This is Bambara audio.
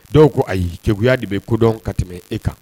Dɔw ko ayikeya de bɛ kodɔn ka tɛmɛ e kan